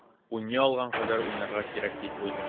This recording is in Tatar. Уйный алган кадәр уйнарга кирәк дип уйлыйм.